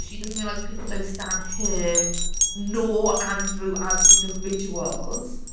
She doesn't realise people don't stan her nor Andrew, as individuals.